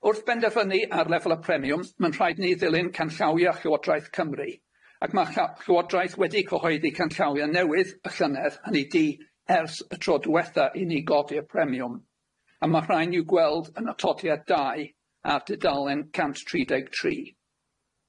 Wrth benderfynnu ar lefel y premiwm, ma'n rhaid ni ddilyn canllawia Llywodraeth Cymru, ac ma' Llywodraeth wedi cyhoeddi canllawia newydd y llynedd, hyny di ers y tro diwetha i ni godi'r premiwm, a ma' rhaid ni'w gweld yn atodiad dau ar dudalen cant tri deg tri.